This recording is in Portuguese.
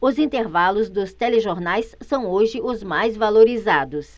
os intervalos dos telejornais são hoje os mais valorizados